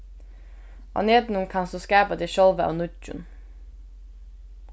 á netinum kanst tú skapa teg sjálva av nýggjum